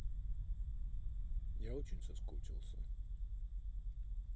я очень соскучился